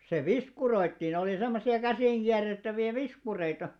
se viskuroitiin oli semmoisia käsinkierrettäviä viskureita